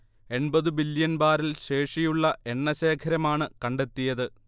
എൺപതു billion barrel ശേഷിയുള്ള എണ്ണശേഖരമാണ് കണ്ടെത്തിയത്